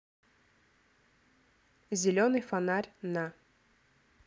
зеленый фонарь на